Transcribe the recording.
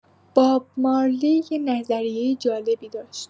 باب مارلی یه نظریۀ جالبی داشت.